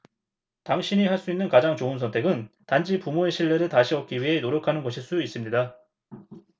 당신이 할 수 있는 가장 좋은 선택은 단지 부모의 신뢰를 다시 얻기 위해 노력하는 것일 수 있습니다